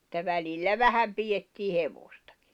että välillä vähän pidettiin hevostakin